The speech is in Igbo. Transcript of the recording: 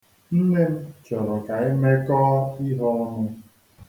Nne m chọrọ ka anyị mekọọ ihe ọnụ.